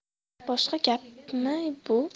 boshqa gapmi bu